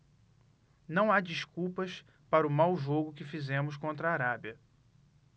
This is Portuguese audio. não há desculpas para o mau jogo que fizemos contra a arábia